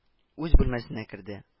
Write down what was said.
Үз бүлмәсенә керде